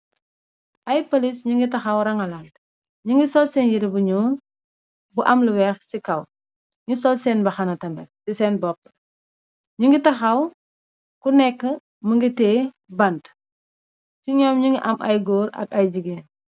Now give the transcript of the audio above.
Ay police ñu ngi tahaw rangalantè, ñi ngi sol seen yireh bu ñuul bu am lu wee ci kaw. Nu sol seen bahana tamit ci seen bopp. nungi tahaw ku nekk mëngi tee bant. Ci ñoom ñu ngi am ay góor ak ay jigéen.